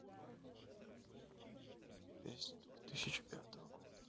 песни двух тысячи пятого года